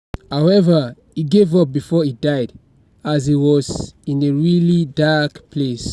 However, he gave up work before he died, as he was "in a really dark place."